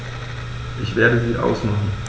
Ich werde sie ausmachen.